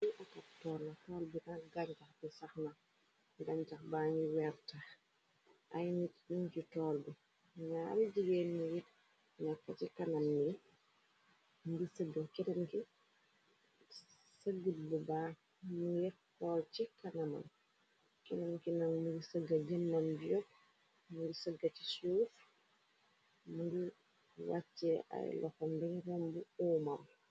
Li ataptoorla tool bina gañtax bi saxna gañtax bangi weertax ay nit yuñ ci tool bi ñaam jigeen miir ñappa ci kanam yi gi sëggut bu baa niir xool ci kanamam kenanki nam mii sëgga jëmam bi yog mngi sëgga ci suuf mungu waccee ay loxa mbiñ romb uumam.